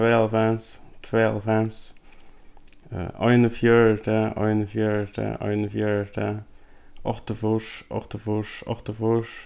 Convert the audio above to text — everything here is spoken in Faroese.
tveyoghálvfems tveyoghálvfems einogfjøruti einogfjøruti einogfjøruti áttaogfýrs áttaogfýrs áttaogfýrs